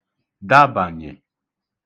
dabànyè